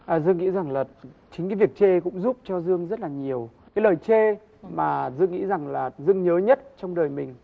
dương nghĩ rằng là chính cái việc chê cũng giúp cho dương rất là nhiều cái lời chê mà dương nghĩ rằng là dương nhớ nhất trong đời mình